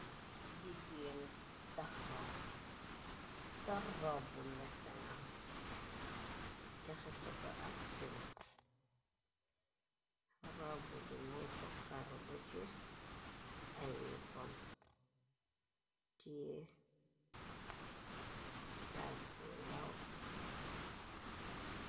Jigeen bu taxaw sor robbu mbesengam jaxesé ko aktiva. Rob bi mën ko xar ba ci ay lupam tie zagg bu ndaw.